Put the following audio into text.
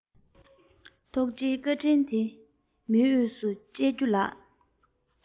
ཐུགས རྗེའི བཀའ དྲིན དེ མི བརྗེད སྙིང དབུས སུ བཅས རྒྱུ ལགས